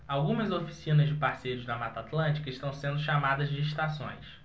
algumas oficinas de parceiros da mata atlântica estão sendo chamadas de estações